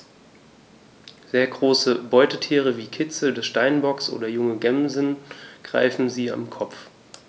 Sehr große Beutetiere wie Kitze des Steinbocks oder junge Gämsen greifen sie am Kopf.